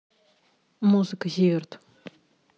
музыка зиверт